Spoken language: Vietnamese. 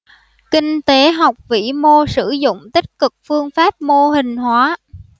kinh tế học vĩ mô sử dụng tích cực phương pháp mô hình hóa